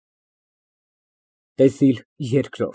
ԱՐԱՐՎԱԾ ԵՐՐՈՐԴ Նույն տեսարանը։ Երեկո է։